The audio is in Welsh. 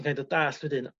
ti'n kind of dalld wedyn